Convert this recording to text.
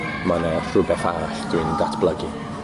ma' 'na rhwbeth arall dwi'n datblygu.